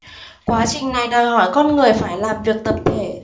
quá trình này đòi hỏi con người phải làm việc tập thể